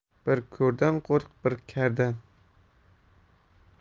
bir ko'rdan qo'rq bir kardan